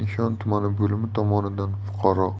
nishon tumani bo'limi tomonidan fuqaro